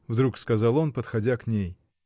— вдруг сказал он, подходя к ней.